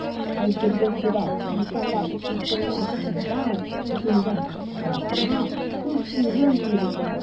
Әйтергә кирәк, бу санда укучылардан килгән хатларга күп урын бирелгән.